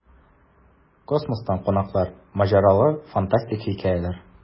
Космостан кунаклар: маҗаралы, фантастик хикәяләр.